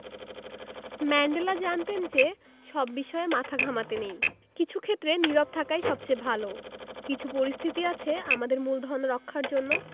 Mandela জানতেন যে সব বিষয়ে মাথা ঘামাতে নেই কিছু ক্ষেত্রে নীরব থাকাই সবচেয়ে ভালো কিছু পরিস্থিতি আছে আমাদের মূলধন রক্ষার জন্য